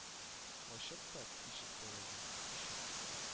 Ачык та тишек тәрәзә, ишек